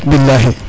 Bilahi